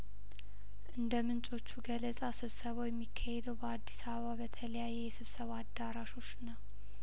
እንደ ምንጮቹ ገለጻ ስብሰባው የሚካሄደው በአዲስ አበባ በተለያየ የስብሰባ አዳራሾች ነው